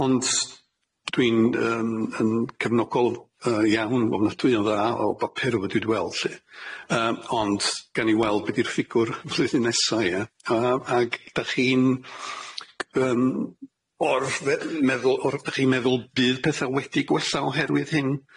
Ond dwi'n yym yn cefnogol yy iawn ofnadwy o dda o bapur rwbath dwi 'di weld 'lly, yym ond gawn ni weld be' 'di'r ffigwr flwyddyn nesa ia, a ag 'dach chi'n yym o'r fe- meddwl o'r 'dach chi'n meddwl bydd petha wedi gwella oherwydd hyn?